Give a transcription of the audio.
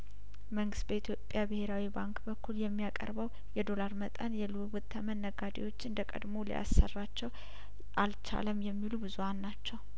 መንግስት በኢትዮጵያ ብሄራዊ ባንክ በኩል የሚያቀርበው የዶላር መጠን የልውውጥ ተመን ነጋዴዎችን እንደቀድሞ ሊያሰራቸው አልቻለም የሚሉ ብዙሀን ናቸው